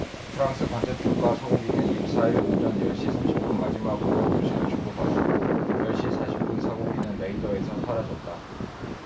프랑스 관제탑과 사고기는 이십 사 일 오전 열 시 삼십 분 마지막으로 교신을 주고받았고 열 시 사십 분 사고기는 레이더에서 사라졌다